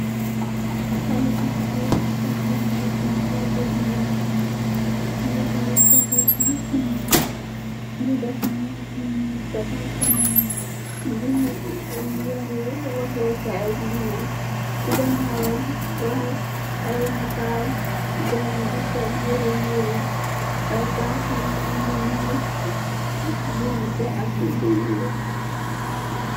Haleh bu jigeen bu tahaw mungi sol Roby bu weex mungi sol koket yu nyool mungi def mess bu nyool defar kanam am mungi yoreh wahehkai ci lohom ci ganaw am bass ay nital gay nyu ngi sol yereh yu weex y baas bi mungi am lu nyool lu neteh ak li yu weex